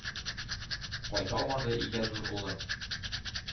Кайталмады өйгә зур улым,